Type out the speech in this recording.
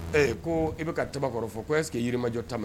Ee ko i bɛ ka taamakɔrɔ fɔ ko'' k' iirimajɔ tan